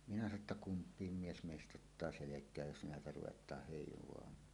minä sanoin että kumpikin mies meistä ottaa selkään jos näitä ruvetaan heivaamaan